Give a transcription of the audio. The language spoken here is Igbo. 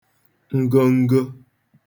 ngongo